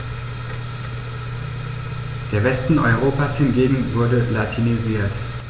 Der Westen Europas hingegen wurde latinisiert.